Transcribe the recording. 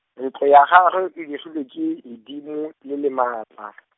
ntlo ya gagwe e digilwe ke, ledimo, le le maatla .